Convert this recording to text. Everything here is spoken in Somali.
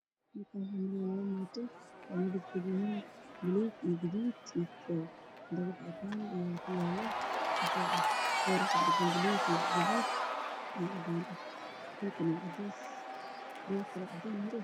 Meeshaan waxaa ka muuqdo labo bajaaj oo laamiga Marayso midabkoodu waa guduud, buluug iyo jaalo